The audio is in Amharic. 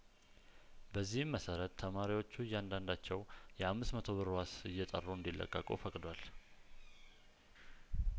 በዚህም መሰረት ተማሪዎቹ እያንዳንዳቸው የአምስት መቶ ብር ዋስ እየጠሩ እንዲለቀቁ ፈቅዷል